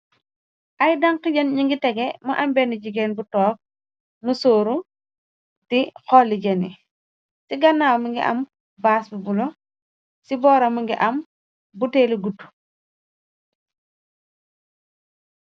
Ay dang ki jen ñu ngi tege, mu ambeeni jigéen bu toop mu sooru di xolli jeni. Ci gannaaw mi ngi am baas bu bulo, ci boora mu ngi am buteelu gutu.